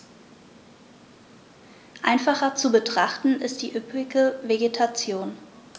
Einfacher zu betrachten ist die üppige Vegetation.